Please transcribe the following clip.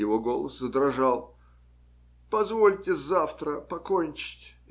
(его голос задрожал) - позвольте завтра покончить.